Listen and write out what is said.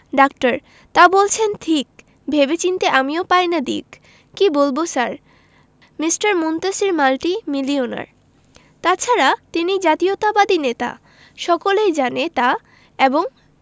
doctor তা বলেছেন ঠিক ভেবে চিন্তে আমিও পাই না দিক কি বলব স্যার মিস্টার মুনতাসীর মাল্টিমিলিওনার তাছাড়া তিনি জাতীয়তাবাদী নেতা সকলেই জানে তা এবং